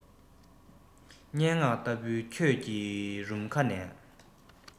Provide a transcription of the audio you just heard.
སྙན ངག ལྟ བུའི ཁྱོད ཀྱི རུམ ཁ ནས